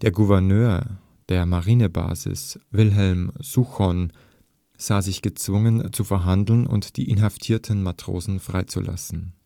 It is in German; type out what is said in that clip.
Gouverneur der Marinebasis, Wilhelm Souchon, sah sich gezwungen, zu verhandeln und die inhaftierten Matrosen freizulassen